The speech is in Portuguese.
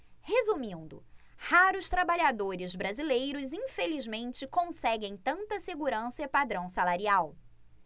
resumindo raros trabalhadores brasileiros infelizmente conseguem tanta segurança e padrão salarial